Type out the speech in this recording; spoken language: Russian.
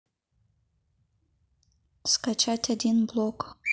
скачать один блок